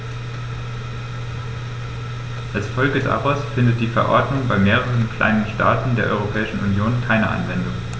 Als Folge daraus findet die Verordnung bei mehreren kleinen Staaten der Europäischen Union keine Anwendung.